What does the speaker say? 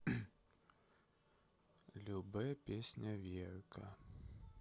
любэ песня верка